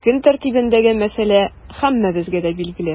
Көн тәртибендәге мәсьәлә һәммәбезгә дә билгеле.